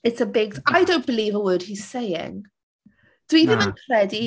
It's a big t... I don't believe a word he's saying Dwi... na ...ddim yn credu...